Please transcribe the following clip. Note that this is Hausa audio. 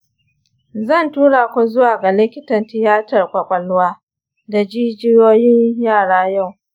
zan tura ku zuwa ga likitan tiyatar kwakwalwa da jijiyoyin yara yau.